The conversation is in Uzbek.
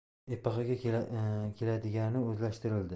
epaqaga keladigani o'zlashtirildi